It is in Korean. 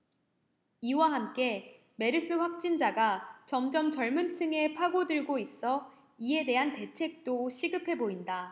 이와 함께 메르스 확진자가 점점 젊은 층에 파고들고 있어 이에 대한 대책도 시급해 보인다